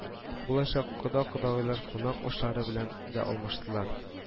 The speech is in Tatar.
Булачак кода-кодагыйлар кунак ашлары белән дә алмаштылар